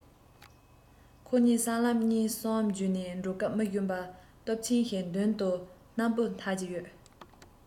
ཁོ གཉིས སྲང ལམ གཉིས གསུམ བརྒྱུད ནས འགྲོ སྐབས མི གཞོན པ སྟོབས ཆེན ཞིག མདུན དུ སྣམ སྤུ འཐགས ཀྱི ཡོད